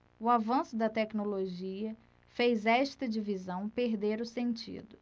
o avanço da tecnologia fez esta divisão perder o sentido